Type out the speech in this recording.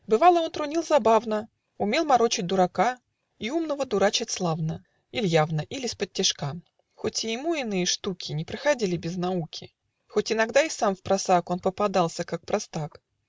Бывало, он трунил забавно, Умел морочить дурака И умного дурачить славно, Иль явно, иль исподтишка, Хоть и ему иные штуки Не проходили без науки, Хоть иногда и сам впросак Он попадался, как простак.